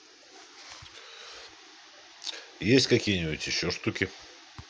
есть какие нибудь еще шутки